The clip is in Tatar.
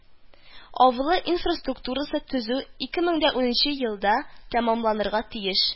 Авылы инфраструктурасын төзү ике мең ун өченче елда тәмамланырга тиеш